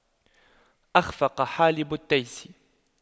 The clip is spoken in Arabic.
أَخْفَقَ حالب التيس